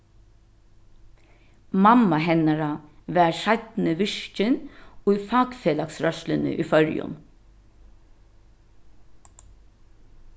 mamma hennara var seinni virkin í fakfelagsrørsluni í føroyum